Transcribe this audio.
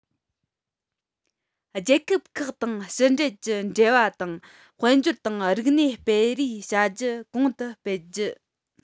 རྒྱལ ཁབ ཁག དང ཕྱི འབྲེལ གྱི འབྲེལ བ དང དཔལ འབྱོར དང རིག གནས སྤེལ རེས བྱ རྒྱུ གོང དུ སྤེལ རྒྱུ